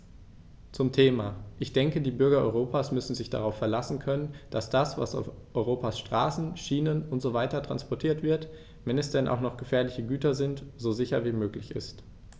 Zum Thema: Ich denke, die Bürger Europas müssen sich darauf verlassen können, dass das, was auf Europas Straßen, Schienen usw. transportiert wird, wenn es denn auch noch gefährliche Güter sind, so sicher wie möglich ist.